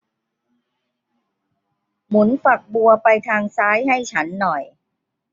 หมุนฝักบัวไปทางซ้ายให้ฉันหน่อย